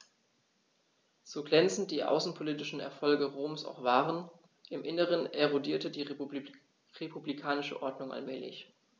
So glänzend die außenpolitischen Erfolge Roms auch waren: Im Inneren erodierte die republikanische Ordnung allmählich.